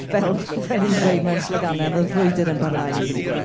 Fel fel 'y ni'n gweud mewn sloganau, mae'r frwydr yn barhau yn dydy.